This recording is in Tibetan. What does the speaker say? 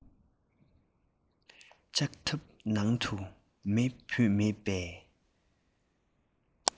ལྕགས ཐབ ནང དུ མེ བུད མེད པས